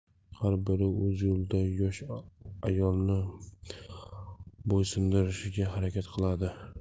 har biri o'z yo'lida yosh ayolni bo'ysundirishga harakat qiladi